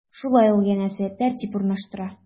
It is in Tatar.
Шулай ул, янәсе, тәртип урнаштыра.